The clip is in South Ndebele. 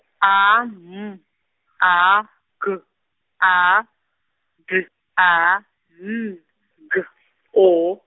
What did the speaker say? A, M, A, G, A, D, A, N, G , O.